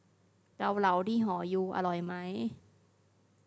เกาเหลาที่หอยูอร่อยไหม